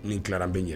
Ni n tilara an be ɲɛ